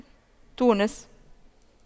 تونس